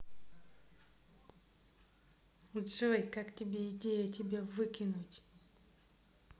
джой как тебе идея тебя выкинуть